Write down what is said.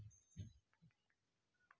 песня шиза